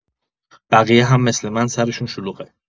بقیه هم مثل من سرشون شلوغه.